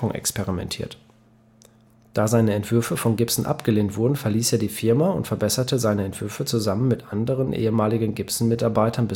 experimentiert. Da seine Entwürfe von Gibson abgelehnt wurden, verließ er die Firma und verbesserte seine Entwürfe zusammen mit anderen ehemaligen Gibson-Mitarbeitern